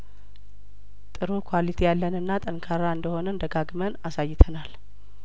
ጥሩ ኳሊቲ ያለንና ጠንካራ እንደሆንን ደጋግመን አሳይተናል